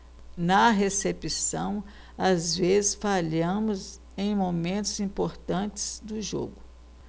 na recepção às vezes falhamos em momentos importantes do jogo